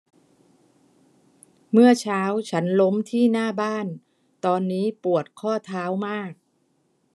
เมื่อเช้าฉันล้มที่หน้าบ้านตอนนี้ปวดข้อเท้ามาก